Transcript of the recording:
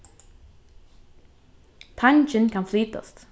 tangin kann flytast